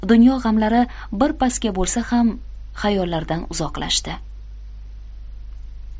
dunyo g'amlari birpasga bo'lsa ham xayollaridan uzoqlashdi